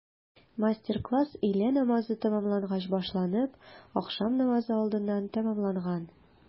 Мастер-класс өйлә намазы тәмамлангач башланып, ахшам намазы алдыннан тәмамланган.